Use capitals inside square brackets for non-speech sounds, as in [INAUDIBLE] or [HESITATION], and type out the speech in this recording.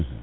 [HESITATION] [HESITATION]